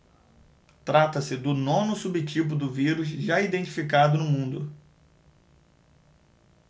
trata-se do nono subtipo do vírus já identificado no mundo